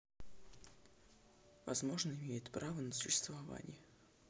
возможно имеет право на существование